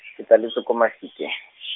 ke tsaletswe ko Mafikeng.